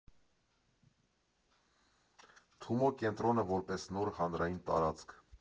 ԹՈՒՄՈ ԿԵՆՏՐՈՆԸ ՈՐՊԵՍ ՆՈՐ ՀԱՆՐԱՅԻՆ ՏԱՐԱԾՔ։